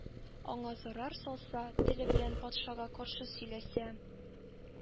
Аңа зарар салса, теле белән патшага каршы сөйләсә,